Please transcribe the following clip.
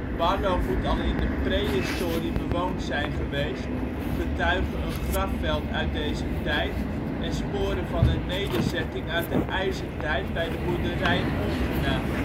Barlo moet al in de prehistorie bewoond zijn geweest, getuige een grafveld uit deze tijd, en sporen van een nederzetting uit de ijzertijd bij de boerderij Ongena